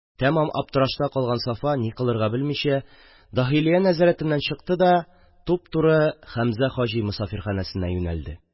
Тамам аптырашта калган Сафа ни кылырга белмичә Дахилия нәзәрәтеннән чыкты да, туп-туры Хәмзә хаҗи мосафирхәнәсенә юнәлде.